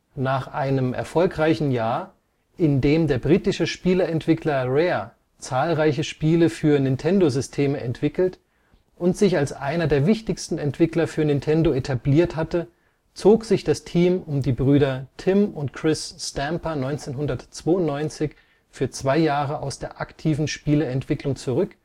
Nach einem erfolgreichen Jahr, in dem der britische Spieleentwickler Rare zahlreiche Spiele für Nintendo-Systeme entwickelt und sich als einer der wichtigsten Entwickler für Nintendo etabliert hatte, zog sich das Team um die Brüder Tim und Chris Stamper 1992 für zwei Jahre aus der aktiven Spieleentwicklung zurück